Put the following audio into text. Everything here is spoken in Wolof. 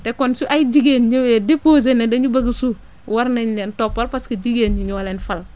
te kon su ay jigéen ñëwee di poser ne dañu bëgg a suuf war nañ leen toppal parce que jigéen ñi ñoo leen fal